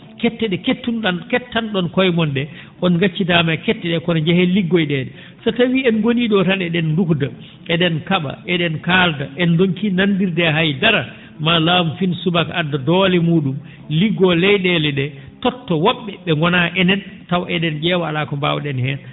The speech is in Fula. kette ?e kettuno?on kettan?on koye mon ?ee on ngaccidaama e kette ?e kono njehee liggoyo?ee ?e so tawii en ngonii ?o tan e?en duguda e?en ka?a e?en kaalda en donkii nanonndirde e haydara ma laamu fin subaka adda doole muu?um liggoo ley?eele ?ee totta wo??e ?e ngonaa enen taw e?en ?eewa alaa ko mbaaw?en heen